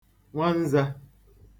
nwa nzā